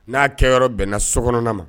N'a kɛyɔrɔ bɛnna sokɔnɔ ma